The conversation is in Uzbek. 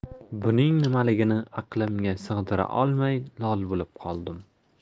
buning nimaligini aqlimga sig'dira olmay lol bo'lib qoldim